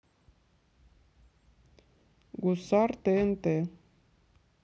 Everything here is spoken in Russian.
гусар тнт